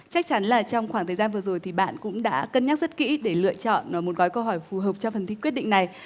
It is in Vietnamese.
chắc chắn là trong khoảng thời gian vừa rồi thì bạn cũng đã cân nhắc rất kỹ để lựa chọn một gói câu hỏi phù hợp cho phần thi quyết định này